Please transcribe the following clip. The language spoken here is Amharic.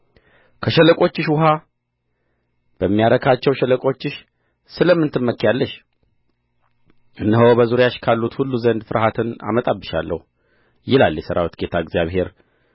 በሸለቆችሽ ውኃ በሚያረካቸው ሸለቆችሽ ስለ ምን ትመኪያለሽ እነሆ በዙሪያሽ ካሉት ሁሉ ዘንድ ፍርሃትን አመጣብሻለሁ ይላል የሠራዊት ጌታ እግዚአብሔር